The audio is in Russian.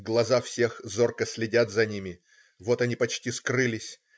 Глаза всех зорко следят за ними. Вот они почти скрылись.